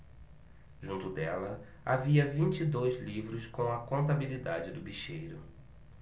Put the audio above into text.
junto dela havia vinte e dois livros com a contabilidade do bicheiro